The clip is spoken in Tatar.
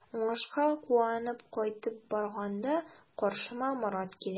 Уңышка куанып кайтып барганда каршыма Марат килә.